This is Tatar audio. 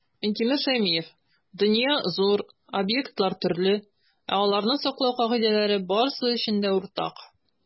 Минтимер Шәймиев: "Дөнья - зур, объектлар - төрле, ә аларны саклау кагыйдәләре - барысы өчен дә уртак".